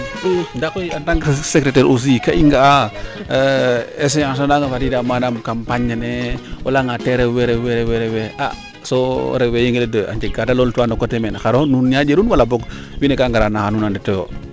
ndaa koy en tant que secretaire aussi ka i nga'a essayance oxay fadiida manaam campagne nene o leyanga te rew rew rew so rew jing rek a njeg kaade lool tuwa no coté meene xaro nuun ñanderun wala boog wiin we ga ngara rek a ndetoyo